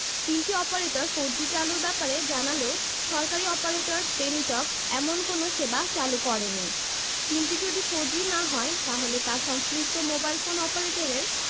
তিনটি operator four G চালুর ব্যাপারে জানালেও সরকারি অপারেটর টেলিটক এমন কোনো সেবা চালু করেনি সিমটি যদি ফোরজি না হয় তাহলে তা সংশ্লিষ্ট মোবাইল ফোন অপারেটরের